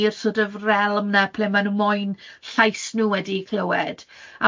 i'r sort of realm 'na ble ma' nhw moyn llais nhw wedi clywed.